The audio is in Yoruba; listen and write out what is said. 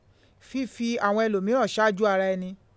Fífi àwọn ẹlòmíràn ṣáájú ara ẹni.